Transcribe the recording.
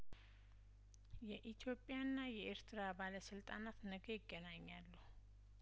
የኢትዮጵያ ና የኤርትራ ባለስልጣናት ነገ ይገናኛሉ